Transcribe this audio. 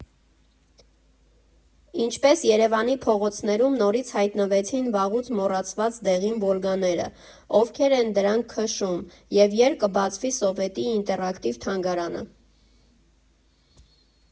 Ինչպես Երևանի փողոցներում նորից հայտնվեցին վաղուց մոռացված դեղին Վոլգաները, ովքեր են դրանք քշում, և երբ կբացվի Սովետի ինտերակտիվ թանգարանը.